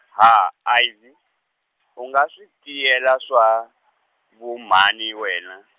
ha Ivy, u nga swi tiyela swa, Vhumani wena?